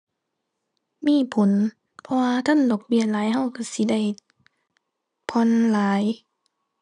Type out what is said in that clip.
มีผล เพราะว่าคันดอกเบี้ยหลายเราเราสิได้ผ่อนหลาย